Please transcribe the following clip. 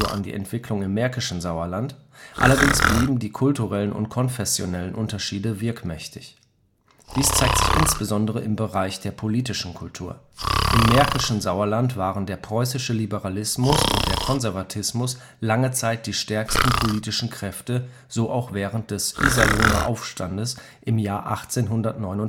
an die Entwicklung im märkischen Sauerland; allerdings blieben die kulturellen und konfessionellen Unterschiede wirkmächtig. Dies zeigte sich insbesondere im Bereich der politischen Kultur. Im märkischen Sauerland waren der preußische Liberalismus und der Konservatismus lange Zeit die stärksten politischen Kräfte, so auch während des „ Iserlohner Aufstandes “im Jahr 1849